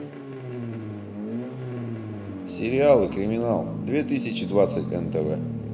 сериалы криминал две тысячи двадцать нтв